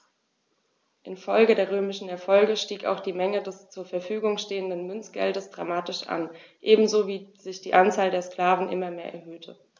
Infolge der römischen Erfolge stieg auch die Menge des zur Verfügung stehenden Münzgeldes dramatisch an, ebenso wie sich die Anzahl der Sklaven immer mehr erhöhte.